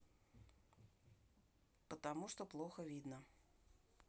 потому что плохо видно